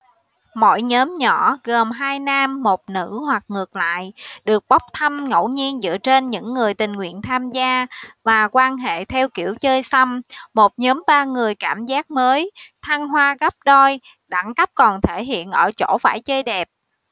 mỗi nhóm nhỏ gồm hai nam một nữ hoặc ngược lại được bốc thăm ngẫu nhiên dựa trên những người tự nguyện tham gia và quan hệ theo kiểu chơi sâm một nhóm ba người cảm giác mới thăng hoa gấp đôi đẳng cấp còn thể hiện ở chỗ phải chơi đẹp